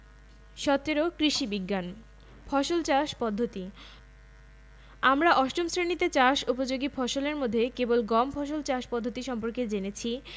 ১৭ কৃষি বিজ্ঞান ফসল চাষ পদ্ধতি আমরা অষ্টম শ্রেণিতে চাষ উপযোগী ফসলের মধ্যে কেবল গম ফসল চাষ পদ্ধতি সম্পর্কে জেনেছি